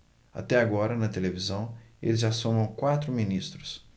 até agora na televisão eles já somam quatro ministros